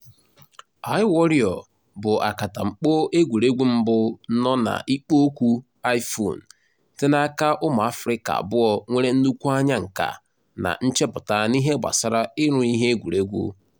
iWarrior bụ akantamkpo egwuregwu mbụ nọ na ikpo okwu iPhone site n'aka ụmụ Afrịka abụọ nwere nnukwu anya nkà na nchepụta n'ihe gbasara ịrụ ihe egwuregwu.